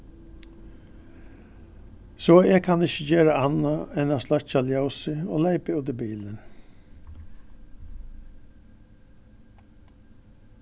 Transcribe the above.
so eg kann ikki gera annað enn at sløkkja ljósið og leypa út í bilin